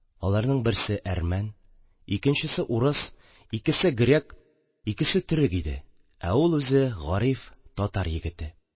Аларның берсе әрмән, икенчесе урыс, икесе грек, икесе төрек иде, ә ул үзе, Гариф – татар егете.